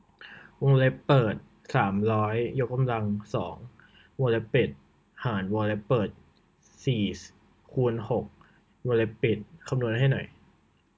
วงเล็บเปิดสามร้อยยกกำลังสองวงเล็บปิดหารวงเล็บเปิดสี่คูณหกวงเล็บปิดคำนวณให้หน่อย